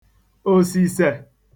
òsìsè